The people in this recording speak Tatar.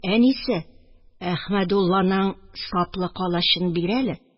Әнисе, Әхмәдулланың саплы калачын бир әле